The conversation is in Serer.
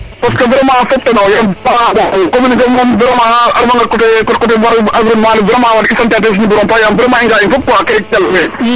*